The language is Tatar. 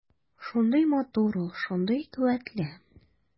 Шундый матур ул, шундый куәтле.